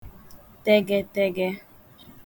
tegetege